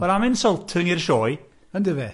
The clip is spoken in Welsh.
Wel am insulting i'r sioe. Yndyfe.